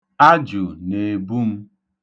Ajụ na-ebu m.